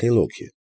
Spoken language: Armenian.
Խելոք է։